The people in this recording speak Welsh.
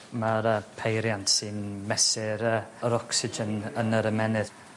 Ma'r yy peiriant sy'n mesur yy yr ocsigen yn yr ymennydd